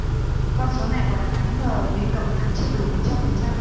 con số này quả là đáng ngờ vì cộng lại chưa đủ một trăm phần trăm